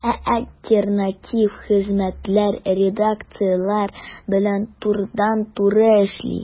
Ә альтернатив хезмәтләр редакцияләр белән турыдан-туры эшли.